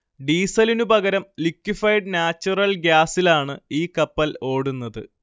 ഡീസലിന് പകരം liquefied natural ഗ്യാസിലാണ് ഈ കപ്പൽ ഓടുന്നത്